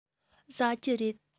ཟ རྒྱུ རེད